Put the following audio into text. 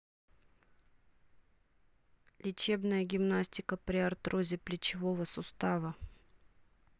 лечебная гимнастика при артрозе плечевого сустава